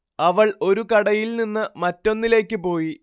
അവൾ ഒരു കടയിൽ നിന്ന് മറ്റൊന്നിലേക്ക് പോയി